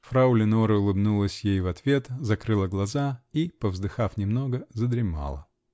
Фрау Леноре улыбнулась ей в ответ, закрыла глаза и, повздыхав немного, задремала.